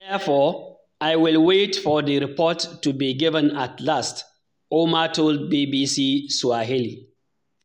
Therefore, I will wait for the report to be given at last, Ouma told BBC Swahili.